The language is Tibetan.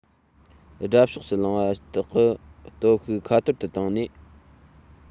དགྲ ཕྱོགས སུ ལངས པ དག གི སྟོབས ཤུགས ཁ ཐོར དུ བཏང ནས